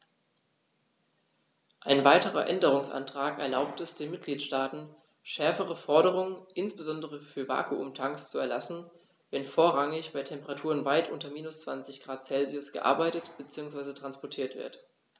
Ein weiterer Änderungsantrag erlaubt es den Mitgliedstaaten, schärfere Forderungen, insbesondere für Vakuumtanks, zu erlassen, wenn vorrangig bei Temperaturen weit unter minus 20º C gearbeitet bzw. transportiert wird.